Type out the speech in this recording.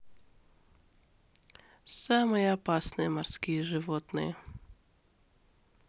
самые опасные морские животные